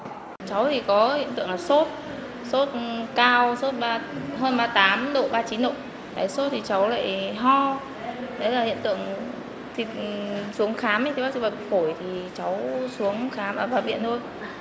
cháu thì có hiện tượng sốt sốt cao sốt ba hơn ba tám độ ba chín độ ấy sốt thì cháu lại ho đấy là hiện tượng thì xuống khám thì bác sỹ bảo phổi thì cháu xuống khám à vào viện thôi